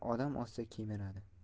odam ozsa kemiradi